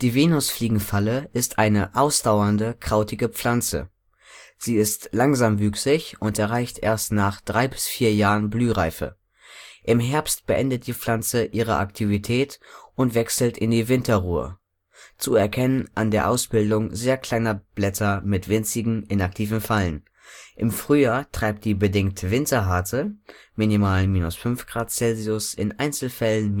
Venusfliegenfalle ist eine ausdauernde, krautige Pflanze. Sie ist langsamwüchsig und erreicht erst nach drei bis vier Jahren Blühreife. Im Herbst beendet die Pflanze ihre Aktivität und wechselt in die Winterruhe, zu erkennen an der Ausbildung sehr kleiner Blätter mit winzigen, inaktiven Fallen. Im Frühjahr treibt die bedingt winterharte (minimal −5 °C, in Einzelfällen